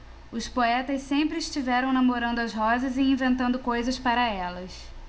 os poetas sempre estiveram namorando as rosas e inventando coisas para elas